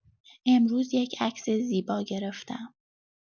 امروز یک عکس زیبا گرفتم.